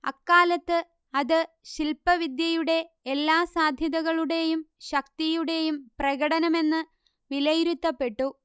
അക്കാലത്ത് അത് ശില്പവിദ്യയുടെ എല്ലാ സാധ്യതകളുടേയും ശക്തിയുടേയും പ്രകടനം എന്ന് വിലയിരുത്തപ്പെട്ടു